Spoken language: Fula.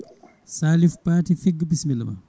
Salif Paté Figgua bisimillama